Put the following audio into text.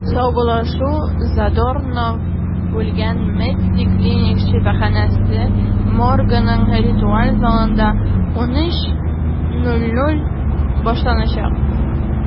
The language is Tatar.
Саубуллашу Задорнов үлгән “МЕДСИ” клиник шифаханәсе моргының ритуаль залында 13:00 (мск) башланачак.